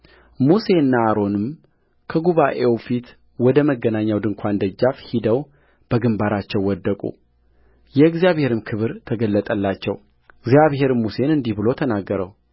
ሙሴና አሮንም ከጉባኤው ፊት ወደ መገናኛው ድንኳን ደጃፍ ሂደው በግምባራቸው ወደቁ የእግዚአብሔርም ክብር ተገለጠላቸውእግዚአብሔርም ሙሴን እንዲህ ብሎ ተናገረው